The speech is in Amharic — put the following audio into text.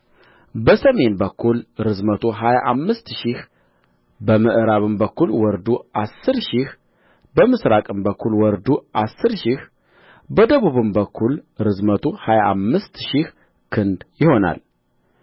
በሰሜን በኩል ርዝመቱ ሀያ አምስት ሺህ በምዕራብም በኩል ወርዱ አሥር ሺህ በምሥራቅም በኩል ወርዱ አሥር ሺህ በደቡብም በኩል ርዝመቱ ሃያ አምስት ሺህ ክንድ ይሆናል